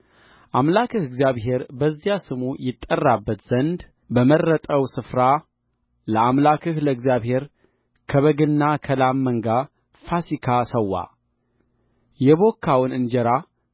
አምላክህ እግዚአብሔር በዚያ ስሙ ይጠራበት ዘንድ በመረጠው ስፍራ ለአምላክህ ለእግዚአብሔር ከበግና ከላም መንጋ ፋሲካ ሠዋ የቦካውን እንጀራ